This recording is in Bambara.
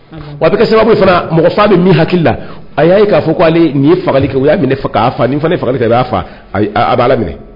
Wa a bɛ kɛ sababu fana mɔgɔ faga bɛ min hakili la a y'a ye k'a fɔ k'ale nin ye fagali kɛ o y'a minɛ k'a faga n'i fana ye fagali kɛ u b'a faga a bɛ Ala minɛ.